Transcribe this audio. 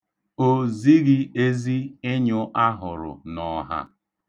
O zighị ezi ịnyụ ahụrụ n'ọha.